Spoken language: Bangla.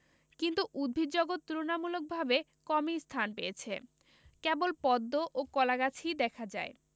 কিন্তু উদ্ভিদজগৎ তুলনামূলকভাবে কমই স্থান পেয়েছে কেবল পদ্ম ও কলাগাছই দেখা যায়